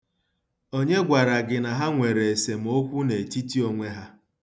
Onye gwara gị na ha nwere esemokwu n'etiti onwe ha?